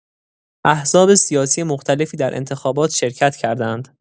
احزاب سیاسی مختلفی در انتخابات شرکت کردند.